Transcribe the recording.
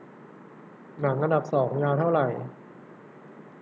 หนังอันดับสองยาวเท่าไหร่